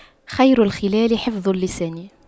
خير الخلال حفظ اللسان